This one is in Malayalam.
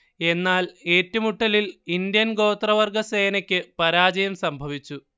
എന്നാൽ ഏറ്റുമുട്ടലിൽ ഇന്ത്യൻ ഗോത്രവർഗ സേനയ്ക്ക് പരാജയം സംഭവിച്ചു